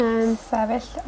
yym... sefyll...